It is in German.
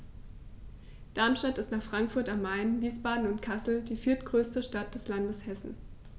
Darmstadt ist nach Frankfurt am Main, Wiesbaden und Kassel die viertgrößte Stadt des Landes Hessen